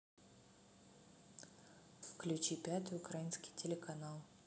включи пятый украинский телеканал